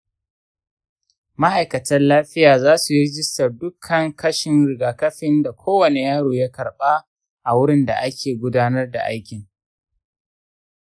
ma'aikatan lafiya za su yi rajistar dukkan kashin rigakafin da kowane yaro ya karɓa a wurin da ake gudanar da aikin.